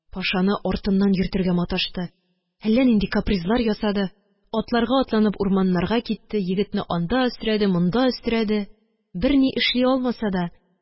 Пашаны артыннан йөртергә маташты, әллә нинди капризлар ясады. Атларга атланып урманнарга китте, егетне анда өстерәде, монда өстерәде. Берни эшли алмаса да